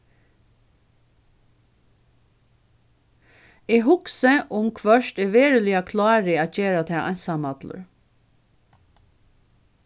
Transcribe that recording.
eg hugsi um hvørt eg veruliga klári at gera tað einsamallur